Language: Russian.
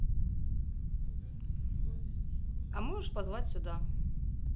а можешь позвать сюда